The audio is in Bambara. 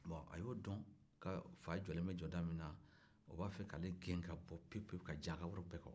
bon a y'o dɔn k'a fa jɔlen bɛ jɔda minna o b'a fɛ k'ale gɛn pewu pewu ka diɲɛ a ka wari bɛɛ ko